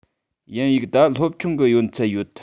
དབྱིན ཡིག ད སློབ ཆུང གི ཡོན ཚད ཡོད